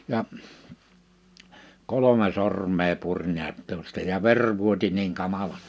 ja kolme sormea puri näet tuosta ja veri vuoti niin kamalasti